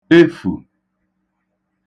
efu